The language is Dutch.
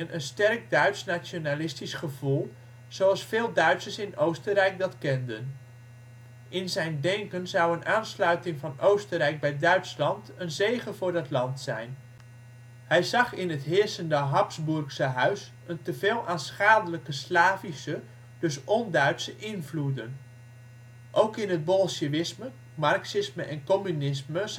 een sterk Duits nationalistisch gevoel, zoals veel Duitsers in Oostenrijk dat kenden. In zijn denken zou een aansluiting van Oostenrijk bij Duitsland een zegen voor dat land zijn. Hij zag in het heersende Habsburgse huis een teveel aan schadelijke Slavische, dus on-Duitse, invloeden. Ook in het bolsjewisme, marxisme en communisme